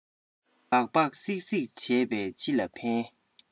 སྦག སྦག གསིག གསིག བྱས པས ཅི ལ ཕན